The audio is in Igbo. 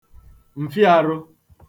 m̀fịaārụ̄